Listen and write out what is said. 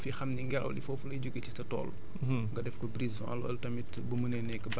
boo ko mënee saxal def ko brise vent ci sa fi xam ngelaw li foofu lay jugee ci sa tool